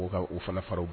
U u fana fararaw